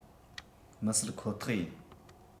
མི སྲིད ཁོ ཐག ཡིན